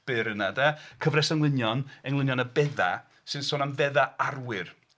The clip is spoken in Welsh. Byr yna 'de. Cyfres o englynion, Englynion y Beddau sy'n sôn am feddau arwyr.